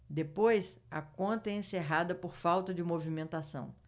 depois a conta é encerrada por falta de movimentação